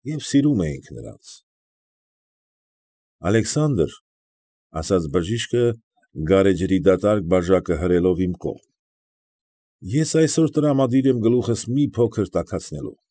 Եվ սիրում էինք նրանց։ ֊ Ալեքսանդր, ֊ ասաց բժիշկը, գարեջրի դատարկ բաժակը հրելով մի կողմ, ֊ ես այսօր տրամադիր եմ գլուխս մի փոքր տաքացնելու։